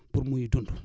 pour muy dund